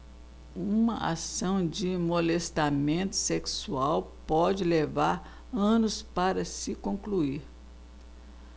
uma ação de molestamento sexual pode levar anos para se concluir